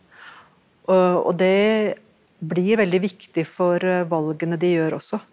og det blir veldig viktig for valgene de gjør også.